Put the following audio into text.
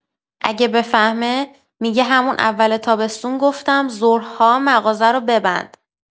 اگه بفهمه، می‌گه همون اول تابستون گفتم ظهرها مغازه رو ببند.